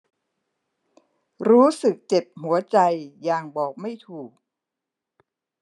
รู้สึกเจ็บหัวใจอย่างบอกไม่ถูก